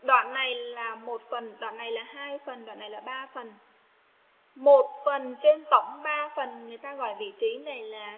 đoạn này là một phần dạo này là hai phần này là phần một phần trên tổng phần người ta gọi vị trí này là